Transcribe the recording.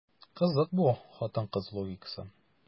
Кызык бу хатын-кыз логикасы.